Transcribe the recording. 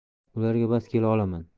ularga bas kela olaman